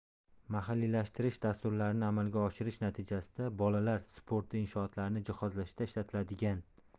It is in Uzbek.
mahalliylashtirish dasturlarini amalga oshirish natijasida bolalar sporti inshootlarini jihozlashda ishlatiladigan